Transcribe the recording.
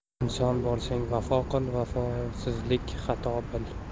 inson bo'lsang vafo qil vafosizlik xato bil